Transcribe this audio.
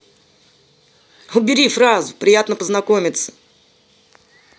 убери фразу приятно познакомиться